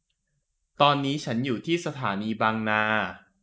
ตอนนี้ฉันอยู่ที่สถานีบางนา